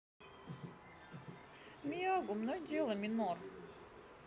miyagi мной дело минор